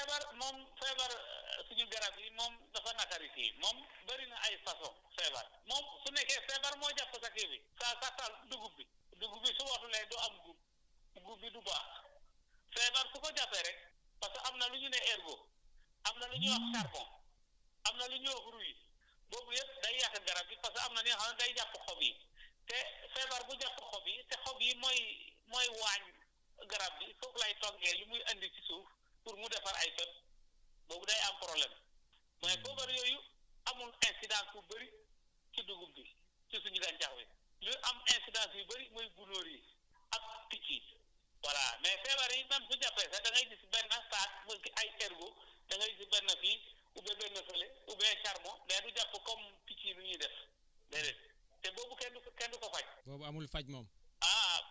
bon feebar feebar moom feebar suñu garab yi moom dafa naqari moom bëri na ay façon feebar moom su nekkee feebar moo jàpp sa kii bi sa sa sa dugub bi dugub bi su waxulee du am guub dugub bi du baax feebar su ko jàppee rek parce que am na lu ñu ne ergo am na lu ñuy wax charbon am na lu ñuy wax rouille boobu yëpp day yàq garab gi parce que am na yi nga xam day jàpp xob yi te feebar bu jàpp xob yi te xob yi mooy mooy waañ garab gi suuf lay toggee li muy andi ci suuf pour mu defar ay * boobu day am problème mais feebar yooyu amul incidence bu bëri ci dugub ji ci suñu gàncax bi lu am incidence yu bëri mooy gunóor yi ak picc yi voilà mais feebar yi tam du jafe te da ngay gis benn saak pour ci ay cerveau da ngay gis benn fii oubien benn fële oubien charbon mais du jàpp comme picc yi nu ñuy def déedéet te boobu xeetu kenn du ko faj